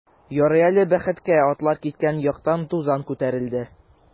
Ярый әле, бәхеткә, атлар киткән яктан тузан күтәрелде.